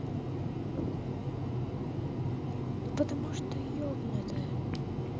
ну потому что ебнутая